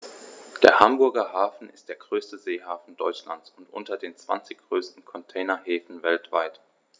Der Hamburger Hafen ist der größte Seehafen Deutschlands und unter den zwanzig größten Containerhäfen weltweit.